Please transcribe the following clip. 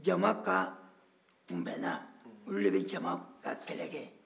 jama ka kunbɛnnan olu de bɛ jama ka kɛlɛ kɛ